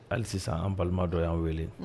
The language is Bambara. Hali sisan an balimadɔ y'an wele